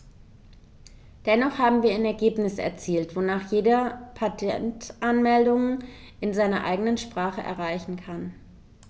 Dennoch haben wir ein Ergebnis erzielt, wonach jeder Patentanmeldungen in seiner eigenen Sprache einreichen kann.